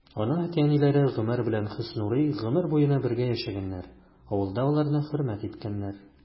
Аның әти-әниләре Гомәр белән Хөснурый гомер буена бергә яшәгәннәр, авылда аларны хөрмәт иткәннәр.